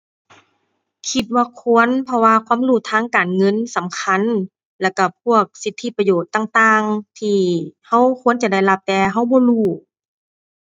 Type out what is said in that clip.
คิดว่าควร เพราะว่าความรู้ทางการเงินสำคัญ แล้วก็พวกสิทธิประโยชน์ต่างต่างที่ก็ควรจะได้รับ แต่ก็บ่รู้